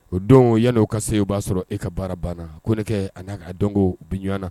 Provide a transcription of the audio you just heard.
O don yanniw ka sew b'a sɔrɔ e ka baara banna ko ne kɛ a dɔn ko bi ɲɔgɔn na